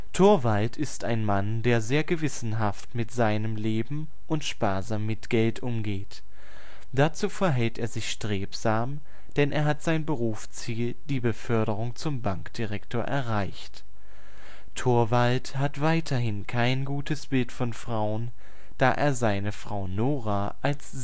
Torvald ist ein Mann, der sehr gewissenhaft mit seinem Leben und sparsam mit Geld umgeht. Dazu verhält er sich strebsam, denn er hat sein Berufsziel (die Beförderung zum Bankdirektor) erreicht. Torvald hat weiterhin kein gutes Bild von Frauen, da er seine Frau Nora als Singlerche